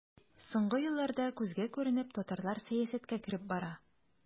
Соңгы елларда күзгә күренеп татарлар сәясәткә кереп бара.